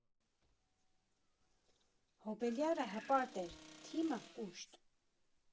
Հոբելյարը հպարտ էր, թիմը՝ կուշտ։